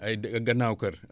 ay gannaaw kër